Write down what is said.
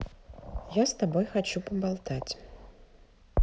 я с тобой хочу поболтать